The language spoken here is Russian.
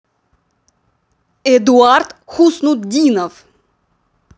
эдуард хуснутдинов